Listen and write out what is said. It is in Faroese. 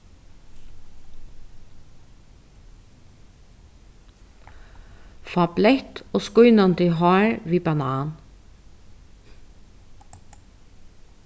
fá bleytt og skínandi hár við banan